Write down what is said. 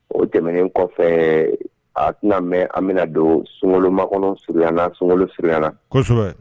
O tɛmɛnen kɔfɛ a tɛnaan mɛn an bɛna don sunmakɔnɔ surunana sun siriana